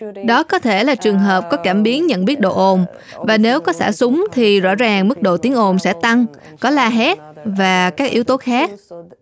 đó có thể là trường hợp có cảm biến nhận biết độ ồn và nếu có xả súng thì rõ ràng mức độ tiếng ồn sẽ tăng có la hét và các yếu tố khác